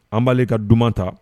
An b' ka duman ta